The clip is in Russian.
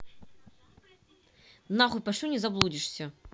нахуй пошлю не заблудишься